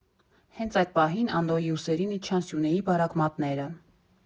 Հենց այդ պահին Անդոյի ուսերին իջան Սյունեի բարակ մատները։